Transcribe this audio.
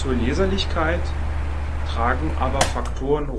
Leserlichkeit tragen aber Faktoren